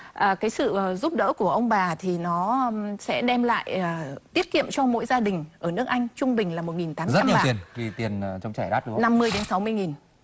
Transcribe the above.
cái sự giúp đỡ của ông bà thì nó sẽ đem lại tiết kiệm cho mỗi gia đình ở nước anh trung bình là một nghìn tám trăm năm mươi đến sáu mươi nghìn